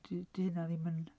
'Di 'di hynna ddim yn...